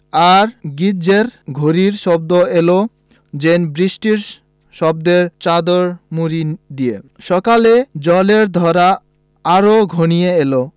আর গির্জ্জের ঘড়ির শব্দ এল যেন বৃষ্টির শব্দের চাদর মুড়ি দিয়ে সকালে জলের ধারা আরো ঘনিয়ে এল